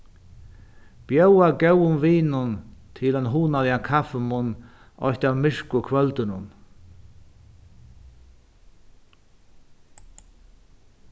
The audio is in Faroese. bjóða góðum vinum til ein hugnaligan kaffimunn eitt av myrku kvøldunum